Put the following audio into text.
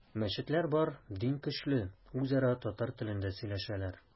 Мәчетләр бар, дин көчле, үзара татар телендә сөйләшәләр.